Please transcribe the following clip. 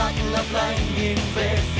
nhìn về